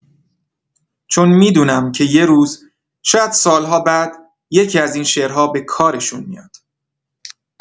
چون می‌دونم که یه روز، شاید سال‌ها بعد، یکی‌از این شعرها به کارشون میاد.